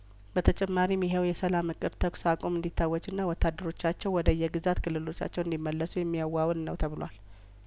በተጨማሪም ይኸው የሰላም እቅድ ተኩስ አቁም እንዲ ታወጅና ወታደሮቻቸው ወደ የግዛት ክልሎቻቸው እንዲመለሱ የሚያዋ ውል ነው ተብሏል